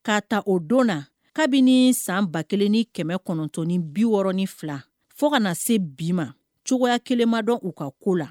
K'a ta o don na kabini sanba kelen ni kɛmɛ kɔnɔn9 biɔrɔnin fila fo kana na se bi ma cogoya kelenma dɔn u ka ko la